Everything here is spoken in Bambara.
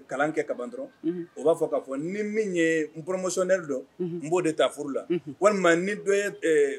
Kalan kɛ kaban dɔrɔn, unhun, o b'a fɔ k'a fɔ ni mun ye promotionnaire dɔ, n b'o de taa furu la, fu, unhun, walima ni don